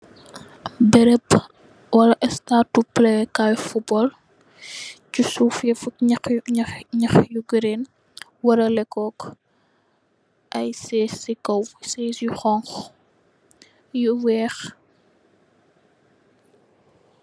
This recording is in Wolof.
Ab berèp, wala xèstatu play kaay football ci suuf yi fu nyah, nyah yu green waralè kog ay sèss ci kaw. Sèss yu honku, yu weeh.